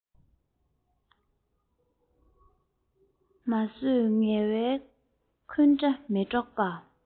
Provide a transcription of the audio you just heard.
མ བཟོད ངལ བའི འཁུན སྒྲ མི སྒྲོག པ